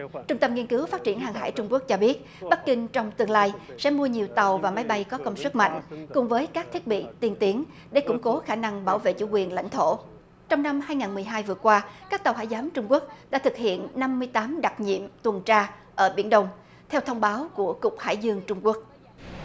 trung tâm nghiên cứu phát triển hàng hải trung quốc cho biết bắc kinh trong tương lai sẽ mua nhiều tàu và máy bay có công sức mạnh cùng với các thiết bị tiên tiến để củng cố khả năng bảo vệ chủ quyền lãnh thổ trong năm hai ngàn mười hai vừa qua các tàu hải giám trung quốc đã thực hiện năm mươi tám đặc nhiệm tuần tra ở biển đông theo thông báo của cục hải dương trung quốc